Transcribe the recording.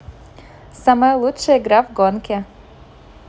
самая лучшая игра в гонке